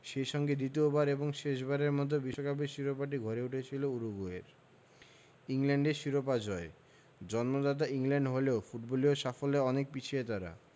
সেই সঙ্গে দ্বিতীয়বার এবং শেষবারের মতো বিশ্বকাপের শিরোপাটি ঘরে উঠেছিল উরুগুয়ের ইংল্যান্ডের শিরোপা জয় জন্মদাতা ইংল্যান্ড হলেও ফুটবলীয় সাফল্যে অনেক পিছিয়ে তারা